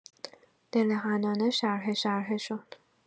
دل حنانه شرحه‌شرحه شد.